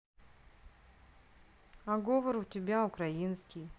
а говор у тебя украинский